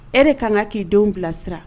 E de ka kan ka k'i denw bilasira